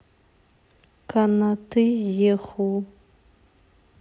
канаты йеху